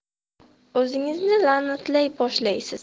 o'zingizni la'natlay boshlaysiz